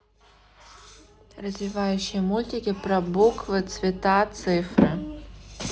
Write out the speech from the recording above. развивающие мультики про буквы цвета цифры